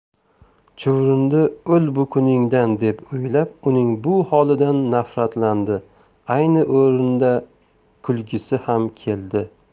chuvrindi o'l bu kuningdan deb o'ylab uning bu holidan nafratlandi ayni o'rinda kulgisi ham keldi